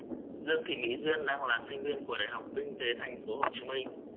dương thị mỹ duyên đang là sinh viên của đại học kinh tế thành phố hồ chí minh